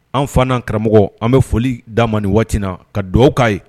Anw fana karamɔgɔ an bɛ foli d'a ma ni wagati in na ka dugawu k'a ye